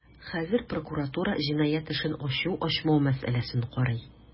Хәзер прокуратура җинаять эшен ачу-ачмау мәсьәләсен карый.